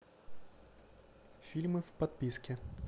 фильмы в подписке